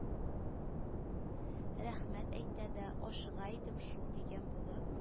Рәхмәт әйтә дә, ашыга идем шул, дигән булып